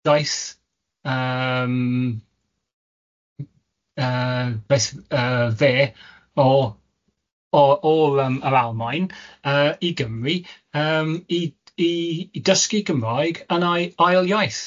daeth yym, yy beth yy fe o o o'r yym yr Almaen yy i Gymru yym i i i dysgu Cymraeg yn ai ail iaith.